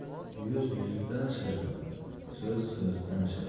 yuz yuzdan shirin so'z so'zdan shirin